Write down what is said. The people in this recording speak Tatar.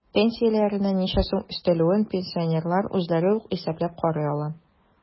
Пенсияләренә ничә сум өстәлүен пенсионерлар үзләре үк исәпләп карый ала.